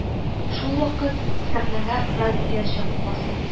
Шул вакыт сәхнәгә Разия чыгып баса